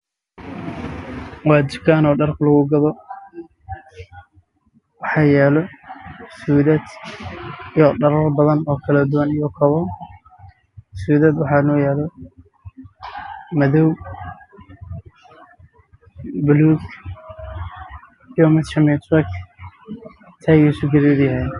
Waa dukaan dhar lagu gado waxaa yaalo suudad iyo wax kale oo badan